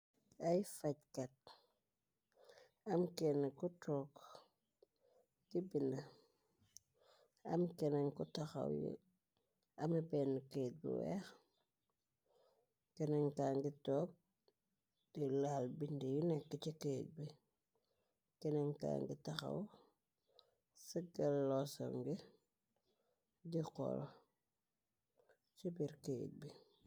Ay fajkat, am kenne ku toog di binde, am kennen ku taxaw, amme benne kayit bu weex, kenenka ngi toog di laal bindi yu nekk ci kayit bi, kenenka ngi taxaw sëgal losam ngi di xol ci bir kayit bi.